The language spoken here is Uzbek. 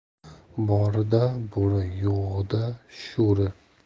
borida bo'ri yo'g'ida sho'ri